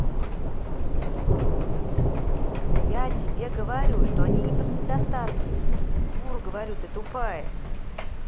я тебе говорю что они не про недостатки дура говорю ты тупая